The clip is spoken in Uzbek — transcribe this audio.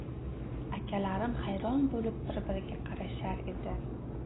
akalarim hayron bo'lib bir biriga qarashar edi